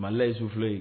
Mali lait ye